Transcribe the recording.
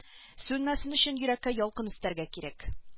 Сүнмәсен өчен йөрәккә ялкын өстәргә кирәк